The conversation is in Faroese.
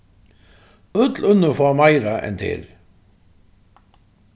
øll onnur fáa meira enn tær